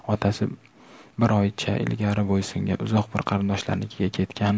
otasi bir oycha ilgari boysunga uzoq bir qarindoshinikiga ketgan